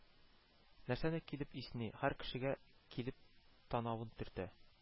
Нәрсәне килеп исни, һәр кешегә килеп танавын төртә